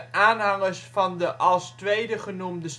aanhangers van de als tweede genoemde